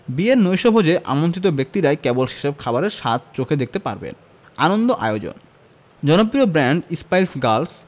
বিয়ের নৈশভোজে আমন্ত্রিত ব্যক্তিরাই কেবল সেসব খাবারের স্বাদ চেখে দেখতে পারবেন আনন্দ আয়োজন জনপ্রিয় ব্যান্ড স্পাইস গার্লস